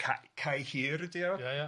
Ca- Cai Hir ydy o. Ia ia.